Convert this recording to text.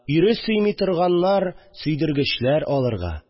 Ире сөйми торганнар сөйдергечләр алырга